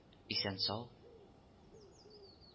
Исән-сау